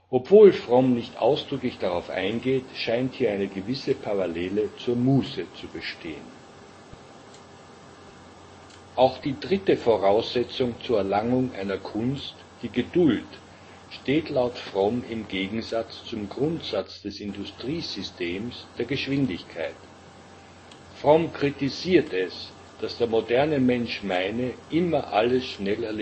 Obwohl Fromm nicht ausdrücklich darauf eingeht, scheint hier eine gewisse Parallele zur Muße zu bestehen. Auch die dritte Voraussetzung zur Erlangung einer Kunst, der Geduld, steht laut Fromm im Gegensatz zum Grundsatz des Industriesystems, der Geschwindigkeit. Fromm kritisiert, dass der moderne Mensch meine, immer alles schnell